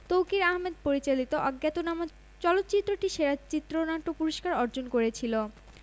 তৌকীর আহমেদ পরিচালিত অজ্ঞাতনামা চলচ্চিত্রটি সেরা চিত্রনাট্য পুরস্কার অর্জন করেছিল